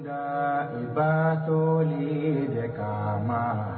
I batɔ le le le ka